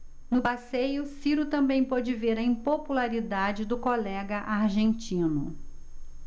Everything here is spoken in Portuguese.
no passeio ciro também pôde ver a impopularidade do colega argentino